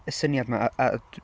y syniad 'ma a- a- y...